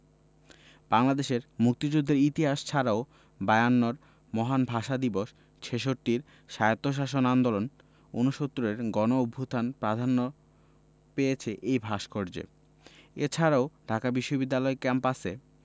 বাংলাদেশের মুক্তিযুদ্ধের ইতিহাস ছাড়াও বায়ান্নর মহান ভাষা দিবস ছেষট্টির স্বায়ত্তশাসন আন্দোলন উনসত্তুরের গণঅভ্যুত্থান প্রাধান্য পেয়েছে এ ভাস্কর্যে এ ছাড়াও ঢাকা বিশ্ববিদ্যালয় ক্যাম্পাসে